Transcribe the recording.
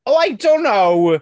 Oh, I don't know!